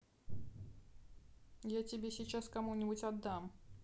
я тебе сейчас кому нибудь отдам